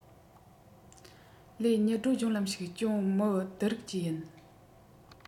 ལས མྱུར བགྲོད གཞུང ལམ ཞིག ཅུང མི བསྡུ རིགས བཅས ཡིན